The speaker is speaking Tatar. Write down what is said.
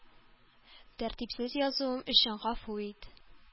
Тәртипсез язуым өчен гафу ит.